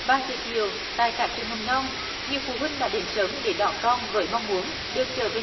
ba giờ chiều tại các trường mầm non nhiều phụ huynh đã đến sớm để đón con với mong muốn được trở về